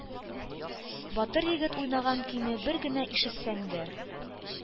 Батыр егет уйнаган көйне бер генә ишетсәң дә